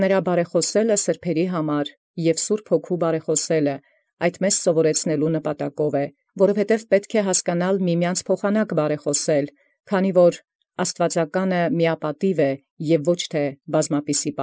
Եւ բարեխաւսել նորա վասն սրբոց և բարեխաւսել Հոգւոյն Սրբոյ՝ առ ի վարդապետելոյ մեզ, զի ընդ միմեանց բարեխաւսելն գիտելի է. քանզի միապատիւ է աստուածականն և ոչ բազմաբար։